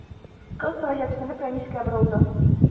Кыз, гаҗәпсенеп, Рәнискә борылды.